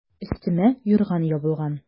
Өстемә юрган ябылган.